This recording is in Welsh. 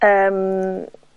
yym